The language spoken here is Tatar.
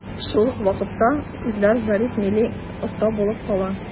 Шул ук вакытта Илдар Зарипов милли оста булып кала.